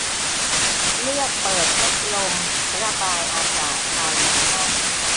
เลือกเปิดพัดลมระบายอากาศภายในห้อง